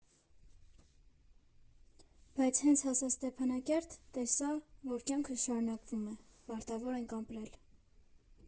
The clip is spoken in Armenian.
Բայց հենց հասա Ստեփանակերտ, տեսա, որ կյանքը շարունակվում է, պարտավոր ենք ապրել։